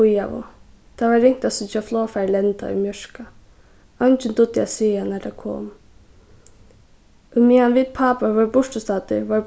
bíðaðu tað var ringt at síggja flogfarið lenda í mjørka eingin dugdi at siga nær tað kom ímeðan vit pápar vóru burturstaddir vóru